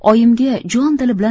oyimga jon dili bilan